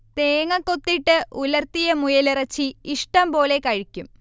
തേങ്ങക്കൊത്തിട്ട് ഉലർത്തിയ മുയലിറച്ചി ഇഷ്ടം പോലെ കഴിക്കും